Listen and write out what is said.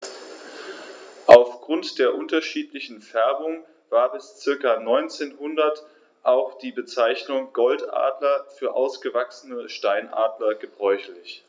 Auf Grund der unterschiedlichen Färbung war bis ca. 1900 auch die Bezeichnung Goldadler für ausgewachsene Steinadler gebräuchlich.